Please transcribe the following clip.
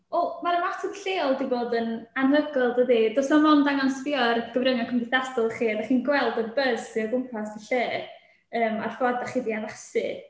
Wel ma'r ymateb lleol 'di bod yn anhygoel, dydi. Does 'na 'mond angen sbïo ar gyfryngau cymdeithasol chi, a dach chi'n gweld y buzz sy o gwmpas y lle, yym, a'r ffordd dach chi 'di addasu.